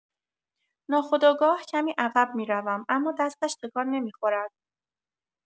ناخودآگاه کمی عقب می‌روم، اما دستش تکان نمی‌خورد.